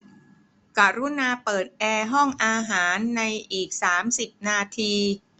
กรุณาเปิดแอร์ห้องอาหารในอีกสามสิบนาที